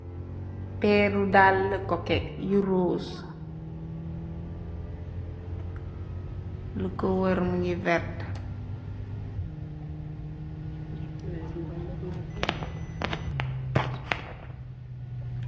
Peeru dall koket yu rose la kowërm ngi vert.